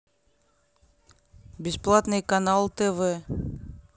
бесплатные каналы тв